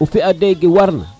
fiya de ge war na